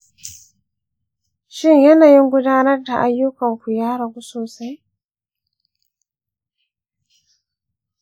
shin yanayin gudanar da ayyukan ku ya ragu sosai?